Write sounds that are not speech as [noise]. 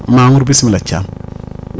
Mamour bisimilah Thiam [noise]